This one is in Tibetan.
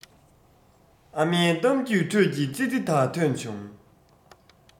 ཨ མའི གཏམ རྒྱུད ཁྲོད ཀྱི ཙི ཙི དག ཐོན བྱུང